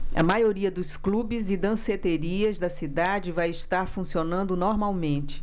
a maioria dos clubes e danceterias da cidade vai estar funcionando normalmente